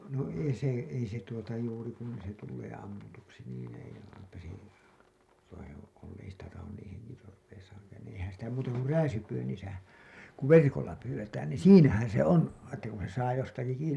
no ei se ei se tuota juuri kun se tulee ammutuksi niin ei eipä se ei sitä tahdo niin henkitoreissaankaan niin eihän sitä muuta kuin rääsypyynnissä kun verkolla pyydetään niin siinähän se on että kun se saa jostakin kiinni